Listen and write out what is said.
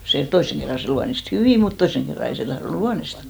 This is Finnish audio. se toisen kerran se luonnisti hyvin mutta toisen kerran ei se tahtonut luonnistaa